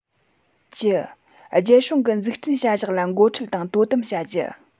བཅུ རྒྱལ སྲུང གི འཛུགས སྐྲུན བྱ གཞག ལ འགོ ཁྲིད དང དོ དམ བྱ རྒྱུ